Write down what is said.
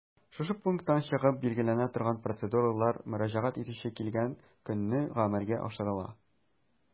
Шушы пункттан чыгып билгеләнә торган процедуралар мөрәҗәгать итүче килгән көнне гамәлгә ашырыла.